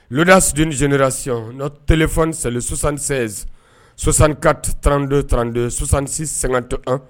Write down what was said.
Dasiɛnenierasi n tele2 seli sosan7 sɔsan trante trantesansi santo